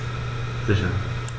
Sicher.